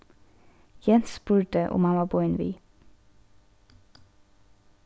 jens spurdi um hann var boðin við